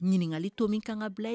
Ɲiniŋali tomin kan ka bila ye